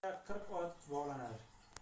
qizli uyga otliqlar kulib boqar tuyalilar bukilib